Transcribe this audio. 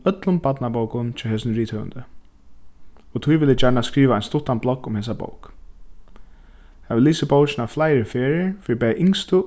øllum barnabókum hjá hesum rithøvundi og tí vil eg gjarna skriva ein stuttan blogg um hesa bók havi lisið bókina fleiri ferðir fyri bæði yngstu